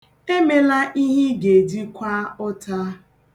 Emela ihe ị ga-eji kwaa ụta.